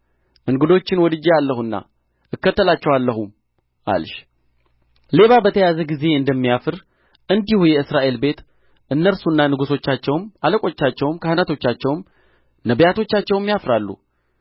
እንግዶችን ወድጄአለሁና እከተላቸዋለሁም አልሽ ሌባ በተያዘ ጊዜ እንደሚያፍር እንዲሁ የእስራኤል ቤት እነርሱና ንጉሦቻቸውም አለቆቻቸውም ካህናቶቻቸውም ነቢያቶቻቸውም ያፍራሉ